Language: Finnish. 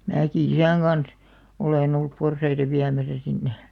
minäkin isän kanssa olen ollut porsaita viemässä sinne